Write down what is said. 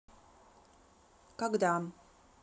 кода